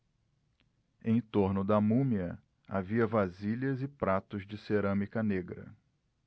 em torno da múmia havia vasilhas e pratos de cerâmica negra